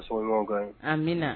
Amiina